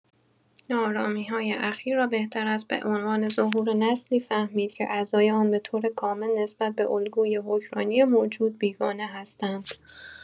ناآرامی‌های اخیر را بهتر است به عنوان ظهور نسلی فهمید که اعضای آن به‌طور کامل نسبت به الگوی حکمرانی موجود بیگانه هستند.